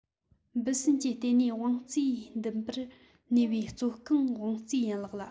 འབུ སྲིན གྱི ལྟེ གནས དབང རྩའི མདུད པར ཉེ བའི གཙོ རྐང དབང རྩའི ཡན ལག ལ